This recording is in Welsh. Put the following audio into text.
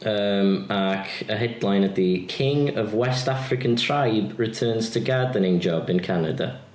Yym ac y headline ydy King of West African tribe returns to gardening job in Canada.